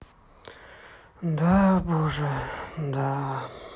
да боже да